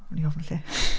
O'n i ofn y lle